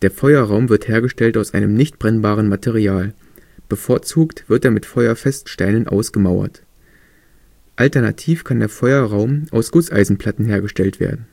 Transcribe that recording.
Feuerraum wird hergestellt aus einem nichtbrennbaren Material, bevorzugt wird er mit Feuerfeststeinen ausgemauert. Alternativ kann der Feuerraum aus Gusseisenplatten hergestellt werden